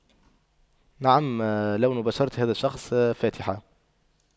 نعم لون بشرة هذا الشخص فاتحة